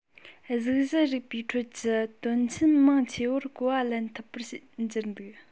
གཟུགས གཞི རིག པའི ཁྲོད ཀྱི དོན ཆེན མང ཆེ བར གོ བ ལེན ཐུབ པར གྱུར འདུག